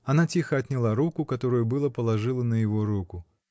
Она тихо отняла руку, которую было положила на его руку.